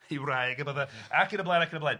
I wraig a bydde ac yn y blaen ac yn y blaen.